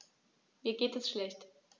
Mir geht es schlecht.